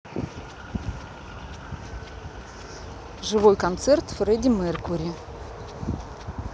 живой концерт freddie mercury